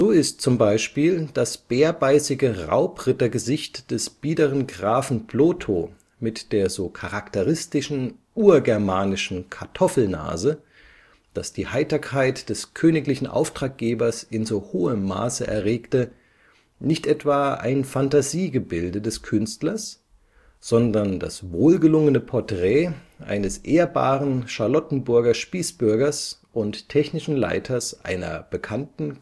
ist z. B. das bärbeißige Raubrittergesicht des biederen Grafen Plotho mit der so charakteristischen urgermanischen Kartoffelnase, das die Heiterkeit des königlichen Auftraggebers in so hohem Maße erregte, nicht etwa ein Phantasiegebilde des Künstlers, sondern das wohlgelungene Porträt eines ehrbaren Charlottenburger Spießbürgers und technischen Leiters einer bekannten